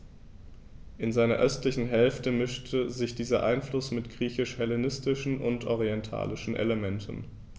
In seiner östlichen Hälfte mischte sich dieser Einfluss mit griechisch-hellenistischen und orientalischen Elementen.